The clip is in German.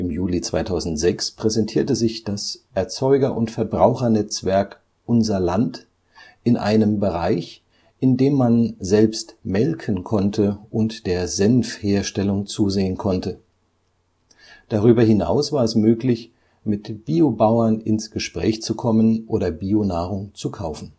Juli 2006 präsentierte sich das Erzeuger - und Verbrauchernetzwerk Unser Land in einem Bereich, in dem man selbst melken konnte und der Senfherstellung zusehen konnte. Darüber hinaus war es möglich, mit Bio-Bauern ins Gespräch zu kommen oder Bionahrung zu kaufen